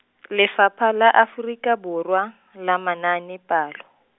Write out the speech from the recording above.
Lefapha la Aforika Borwa, la Manaanepalo.